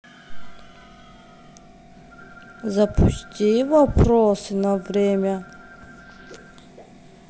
запусти вопросы на время